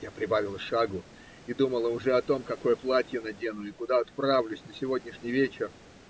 Я прибавила шага и думала уже о том, какое платье надену и куда отправлюсь на сегодняшний вечер.